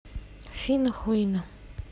афина хуина